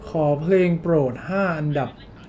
ขอเพลงโปรดห้าอันดับ